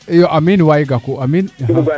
iyo waay amiin waay Gakou